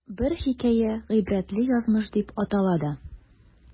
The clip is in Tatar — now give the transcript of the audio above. Бер хикәя "Гыйбрәтле язмыш" дип атала да.